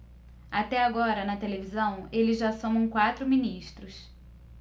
até agora na televisão eles já somam quatro ministros